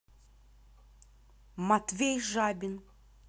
matvey жабин